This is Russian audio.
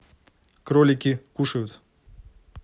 кролики кушают